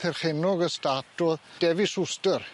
Perchennog y stât o' Devis Wster.